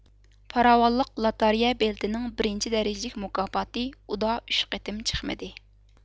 پاراۋانلىق لاتارىيە بېلىتىنىڭ بىرىنچى دەرىجىلىك مۇكاپاتى ئۇدا ئۈچ قېتىم چىقمىدى